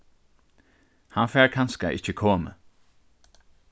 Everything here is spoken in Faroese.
hann fær kanska ikki komið